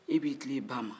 e b'i tilen i ba ma